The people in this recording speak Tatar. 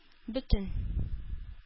Бөтен